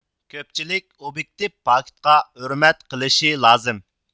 كۆپچىلىك ئوبيېكتىپ پاكىتقا ھۆرمەت قىلىشى لازىم